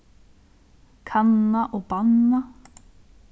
kanna og banna